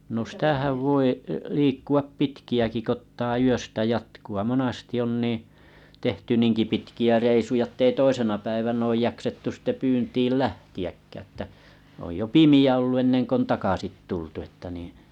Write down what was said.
no siitähän voi liikkua pitkiäkin kun ottaa yöstä jatkoa monasti on niin tehty niinkin pitkiä reissuja että ei toisena päivänä ole jaksettu sitten pyyntiin lähteäkään että on jo pimeä ollut ennen kuin on takaisin tultu että niin